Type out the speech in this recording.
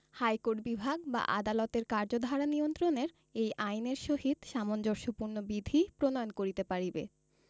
high court বিভাগ বা আদালতের কার্যধারা নিয়ন্ত্রণের এই আইনের সহিত সামঞ্জস্যপূর্ণ বিধি প্রণয়ন করিতে পারিবে